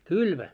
kylmä